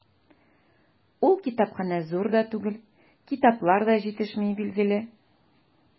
Ул китапханә зур да түгел, китаплар да җитешми, билгеле.